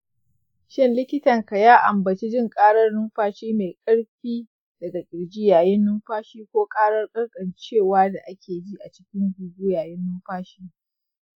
shin likitanka ya ambaci jin karar numfashi mai kaifi daga kirji yayin numfashi ko karar kankancewa da ake ji a cikin huhu yayin numfashi?